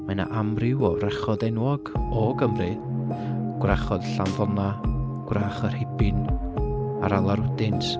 Mae 'na amryw o wrachod enwog o Gymru, gwrachod Llanddonna, gwrach y Rhibyn a Rala Rwdins.